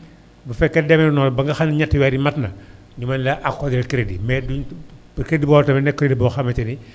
bu fekkee demeewul noonu ba xam ne ñetti weer yi mot na ñu mën laa accordé crédit mais bu bu crédit boobu tamit nekk crédit boo xamante ni